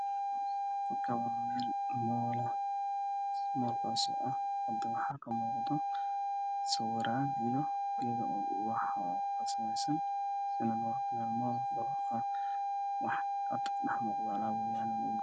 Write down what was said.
Meeshaan waa maqaayad tarbiyada waa taan waxa ku dhagan boorar ay ku sawiran yihiin raashin iyo khudaar karsan